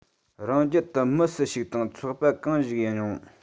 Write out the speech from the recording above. རང རྒྱལ དུ མི སུ ཞིག དང ཚོགས པ གང ཞིག ཡིན རུང